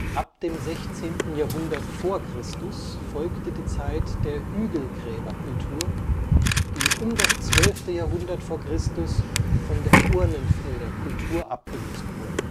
Ab dem 16. Jahrhundert v. Chr. folgte die Zeit der Hügelgräberkultur, die um das 12. Jahrhundert v. Chr. von der Urnenfelderkultur abgelöst wurde